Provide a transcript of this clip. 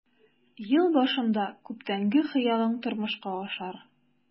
Ел башында күптәнге хыялың тормышка ашар.